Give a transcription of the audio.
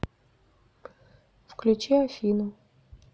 включи афину